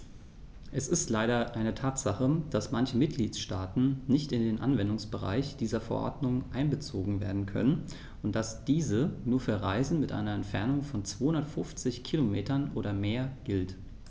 Es ist leider eine Tatsache, dass manche Mitgliedstaaten nicht in den Anwendungsbereich dieser Verordnung einbezogen werden können und dass diese nur für Reisen mit einer Entfernung von 250 km oder mehr gilt.